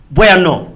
Bonya yan nɔ